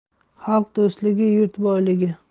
xalq do'stligi yurt boyligi